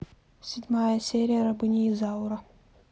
седьмая серия рабыня изаура